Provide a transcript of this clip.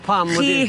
pam wedi... Chi?